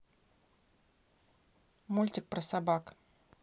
мультик про собак